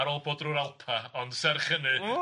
Ar ôl bod drwy'r Alpau ond serch hynny serch hynny.